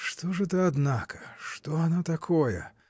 — Что ж это, однако: что она такое?